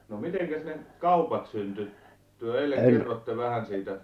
no mitenkäs ne kaupat syntyi te eilen kerroitte vähän siitä